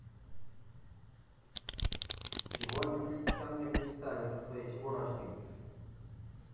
чего они ко мне пристали со своей чебурашкой